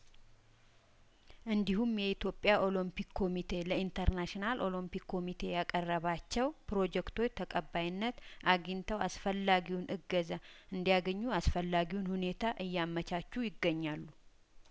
እንዲሁም የኢትዮጵያ ኦሎምፒክ ኮሚቴ ለኢንተርናሽናል ኦሎምፒክ ኮሚቴ ያቀረባቸው ፕሮጀክቶች ተቀባይነት አግኝተው አስፈላጊውን እገዛ እንዲያገኙ አስፈላጊውን ሁኔታ እያመቻቹ ይገኛሉ